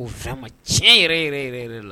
O fɛn ma tiɲɛ yɛrɛ yɛrɛ yɛrɛ yɛrɛ la